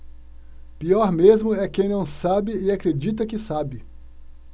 pior mesmo é quem não sabe e acredita que sabe